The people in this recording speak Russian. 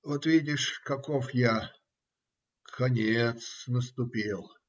Вот видишь, каков я. Конец наступил.